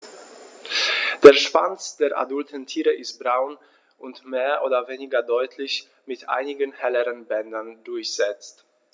Der Schwanz der adulten Tiere ist braun und mehr oder weniger deutlich mit einigen helleren Bändern durchsetzt.